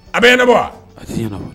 A bɛ ɲanabɔ wa? A tɛ ɲanabɔ .